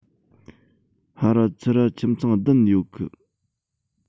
ཧར ར ཚུར ར ཁྱིམ ཚང བདུན ཡོད གི